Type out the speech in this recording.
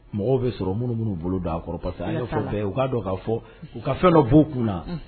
Mɔgɔw bɛ sɔrɔ minnu minnuu bolo da kɔrɔ parce que an yɛrɛ fɛ u k'a ka fɔ u ka fɛn dɔ' kun na